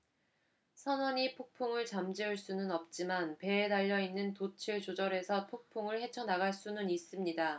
선원이 폭풍을 잠재울 수는 없지만 배에 달려 있는 돛을 조절해서 폭풍을 헤쳐 나갈 수는 있습니다